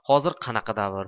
hozir qanaqa davr